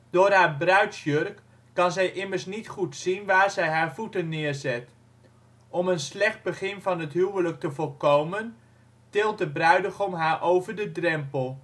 Door haar bruidsjurk kan zij immers niet goed zien waar zij haar voeten neerzet. Om een slecht begin van het huwelijk te voorkomen, tilt de bruidegom haar over de drempel